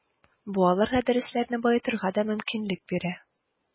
Бу аларга дәресләрне баетырга да мөмкинлек бирә.